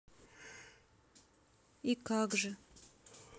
и как же